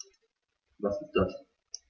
Was ist das?